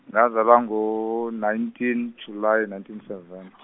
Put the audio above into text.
ngazalwa ngo nineteen July nineteen seventy.